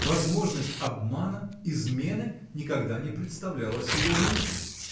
возможность обмана, измены никогда не представлялась его мысли.